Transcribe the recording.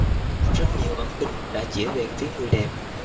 rất nhiều ống kính đã chĩa về phía người đẹp